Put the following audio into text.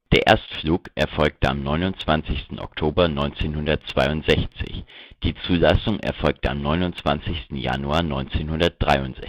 Erstflug erfolgte am 29. Oktober 1962, die Zulassung erfolgte am 29. Januar 1963. Es